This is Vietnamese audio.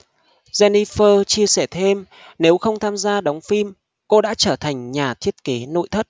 jennifer chia sẻ thêm nếu không tham gia đóng phim cô đã trở thành nhà thiết kế nội thất